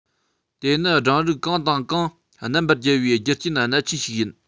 དེ ནི སྦྲང རིགས གང དང གང རྣམ པར རྒྱལ པའི རྒྱུ རྐྱེན གནད ཆེན ཞིག ཡིན